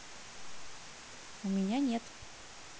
у меня нет